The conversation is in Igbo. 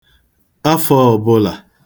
afọ̄ ọ̄bụ̄là